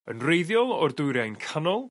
Yn wreiddiol o'r Dwyriain Canol